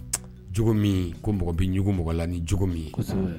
Cogo min ko mɔgɔ bɛ jugu mɔgɔ la ni cogo min